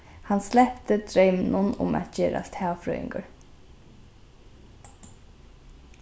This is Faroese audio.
hann slepti dreyminum um at gerast havfrøðingur